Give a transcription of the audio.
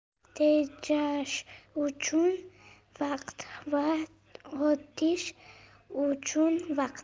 tejash uchun vaqt va otish uchun vaqt